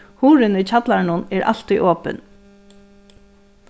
hurðin í kjallaranum er altíð opin